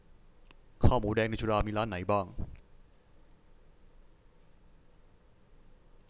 ข้าวหมูแดงในจุฬามีร้านไหนบ้าง